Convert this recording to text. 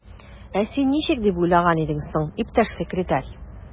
Ә син ничек дип уйлаган идең соң, иптәш секретарь?